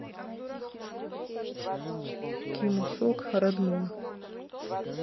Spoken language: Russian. киму сок ред мун